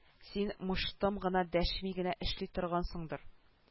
Син мыштым гына дәшми генә эшли торгансыңдыр